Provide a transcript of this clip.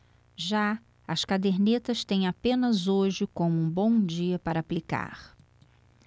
já as cadernetas têm apenas hoje como um bom dia para aplicar